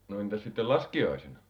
no entäs sitten laskiaisena